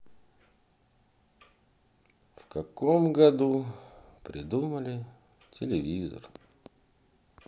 в каком году придумали телевизор